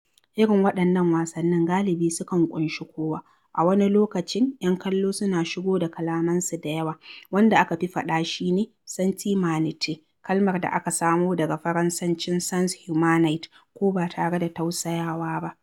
Irin waɗannan wasannin galibi sukan ƙunshi kowa, a wani lokacin 'yan kallo suna shigo da kalamansu da yawa, wanda aka fi faɗa shi ne "Santimanitay!" kalmar da aka samo daga Faransancin "sans humanite", ko "ba tare da tausayawa ba".